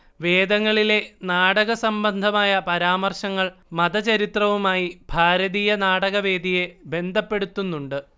വേദങ്ങളിലെ നാടകസംബന്ധമായ പരാമർശങ്ങൾ മതചരിത്രവുമായി ഭാരതീയ നാടകവേദിയെ ബന്ധപ്പെടുത്തുന്നുണ്ട്